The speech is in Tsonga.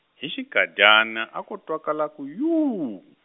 hi xinkadyana a ko twakala ku yuu.